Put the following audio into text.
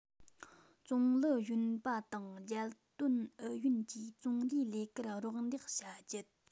ཙུང ལི གཞོན པ དང རྒྱལ དོན ཨུ ཡོན གྱིས ཙུང ལིའི ལས ཀར རོགས འདེགས བྱ རྒྱུ